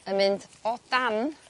yn mynd o dan